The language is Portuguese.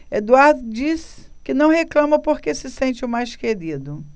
eduardo diz que não reclama porque se sente o mais querido